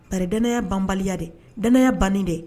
Padya banbaliya dɛdya bannen dɛ